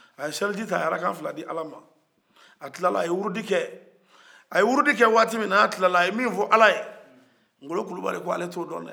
a ye seliji ta a ye arakan fila di ala man a tilala a ye wurudi kɛ a ye wurudi kɛ waati min n'a tilala a ye min fɔ ala ye ngolo kulibali ko ale tɛ o dɔn dɛɛ